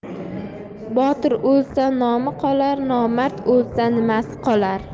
botir o'lsa nomi qolar nomard o'lsa nimasi qolar